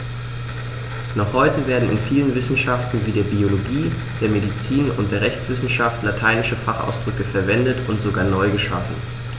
Noch heute werden in vielen Wissenschaften wie der Biologie, der Medizin und der Rechtswissenschaft lateinische Fachausdrücke verwendet und sogar neu geschaffen.